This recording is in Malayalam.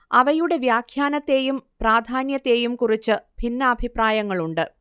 അവയുടെ വ്യാഖ്യാനത്തേയും പ്രാധാന്യത്തേയും കുറിച്ച് ഭിന്നാഭിപ്രായങ്ങളുണ്ട്